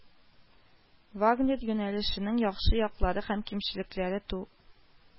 Вагнер юнәлешенең яхшы яклары һәм кимчелекләре ту